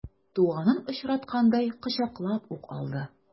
Туганын очраткандай кочаклап ук алды.